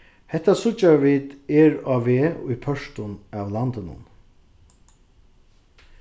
hetta síggja vit er á veg í pørtum av landinum